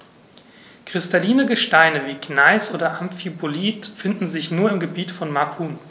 Kristalline Gesteine wie Gneis oder Amphibolit finden sich nur im Gebiet von Macun.